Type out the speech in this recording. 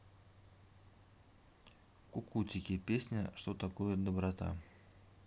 кукутики песня что такое доброта